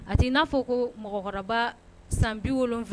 A ti na fɔ ko mɔgɔkɔrɔba san 70